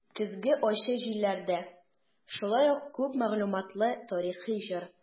"көзге ачы җилләрдә" шулай ук күп мәгълүматлы тарихи җыр.